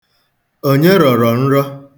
Onye rọrọ nrọ?